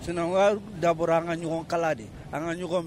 Sinan ka dabɔ an ka ɲɔgɔn kala de an ka ɲɔgɔn